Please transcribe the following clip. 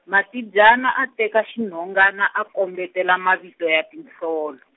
Matibyana a teka xinhongana a kombetela mavito ya tinhlolo.